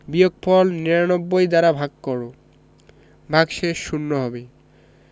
বিয়োগফল ৯৯ দ্বারা ভাগ কর ভাগশেষ শূন্য হবে